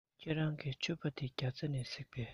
ཁྱེད རང གི ཕྱུ པ དེ རྒྱ ཚ ནས གཟིགས པས